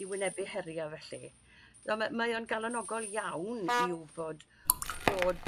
i wynebu heria' felly. Naw' ma' mae o'n galonogol iawn i wbod bod